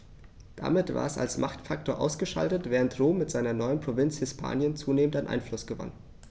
Damit war es als Machtfaktor ausgeschaltet, während Rom mit seiner neuen Provinz Hispanien zunehmend an Einfluss gewann.